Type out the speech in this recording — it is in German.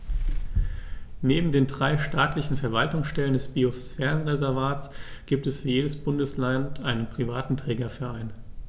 Neben den drei staatlichen Verwaltungsstellen des Biosphärenreservates gibt es für jedes Bundesland einen privaten Trägerverein.